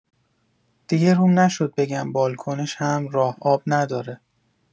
دیگه روم نشد بگم بالکنش هم راه‌آب نداره